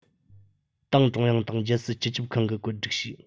ཏང ཀྲུང དབྱང དང རྒྱལ སྲིད སྤྱི ཁྱབ ཁང གིས བཀོད སྒྲིག བྱས